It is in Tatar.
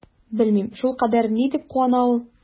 Белмим, шулкадәр ни дип куана ул?